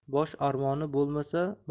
bosh armoni bo'lmasa